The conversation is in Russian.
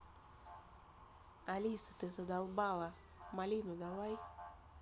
алиса ты задолбала малинку давай